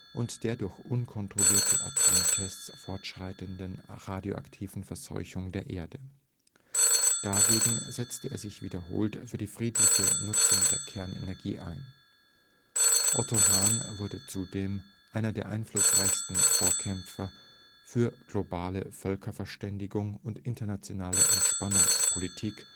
und der durch unkontrollierte Atomtests fortschreitenden radioaktiven Verseuchung der Erde. Dagegen setzte er sich wiederholt für die friedliche Nutzung der Kernenergie ein. Otto Hahn wurde zudem einer der einflussreichsten Vorkämpfer für globale Völkerverständigung und internationale Entspannungspolitik